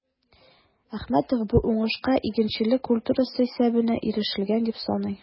Әхмәтов бу уңышка игенчелек культурасы исәбенә ирешелгән дип саный.